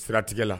Siratigɛ la